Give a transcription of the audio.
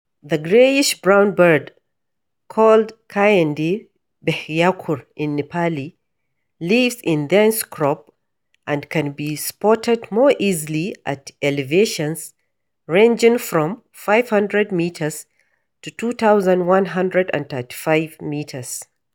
The greyish-brown bird, called Kaande Bhyakur in Nepali, lives in dense scrub and can be spotted more easily at elevations ranging from 500 meters to 2135 meters.